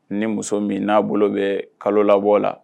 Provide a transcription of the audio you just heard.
Ni muso min n'a bolo bɛ kalo labɔ la